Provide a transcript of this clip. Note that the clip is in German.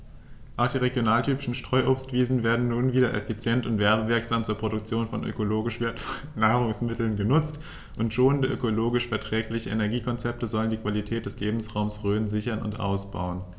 Auch die regionaltypischen Streuobstwiesen werden nun wieder effizient und werbewirksam zur Produktion von ökologisch wertvollen Nahrungsmitteln genutzt, und schonende, ökologisch verträgliche Energiekonzepte sollen die Qualität des Lebensraumes Rhön sichern und ausbauen.